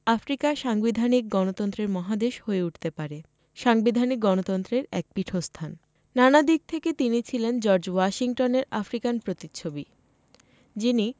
Africa সাংবিধানিক গণতন্ত্রের মহাদেশ হয়ে উঠতে পারে সাংবিধানিক গণতন্ত্রের এক পীঠস্থান নানা দিক থেকে তিনি ছিলেন জর্জ ওয়াশিংটনের আফ্রিকান প্রতিচ্ছবি যিনি